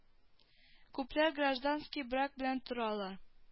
Күпләр гражданский брак белән торалар